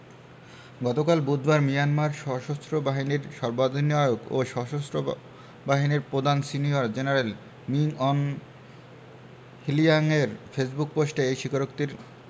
গতকাল বুধবার মিয়ানমার সশস্ত্র বাহিনীর সর্বাধিনায়ক ও সশস্ত্র বাহিনীর প্রধান সিনিয়র জেনারেল মিন অং হ্লিয়াংয়ের ফেসবুক পোস্টে এই স্বীকারোক্তির